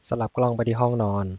สลับกล้องไปที่ห้องนอน